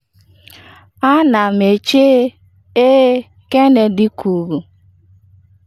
“Ana m eche, ee,” Kennedy kwuru.